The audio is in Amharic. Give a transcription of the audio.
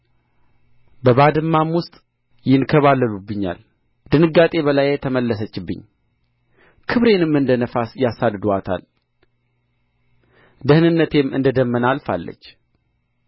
በባድማ ውስጥ ይንከባለሉብኛል ድንጋጤ በላዬ ተመለሰችብኝ ክብሬንም እንደ ነፋስ ያሳድዱአታል ደኅንነቴም እንደ ደመና አልፋለች